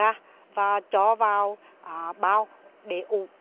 ra và cho vào bao để ủ